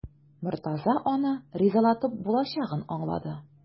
Мортаза аны ризалатып булачагын аңлады.